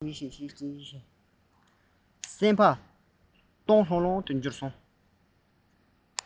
སེམས པ སྟོང ལྷང ལྷང དུ གྱུར